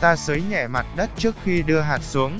ta xới nhẹ mặt đất trước khi đưa hạt xuống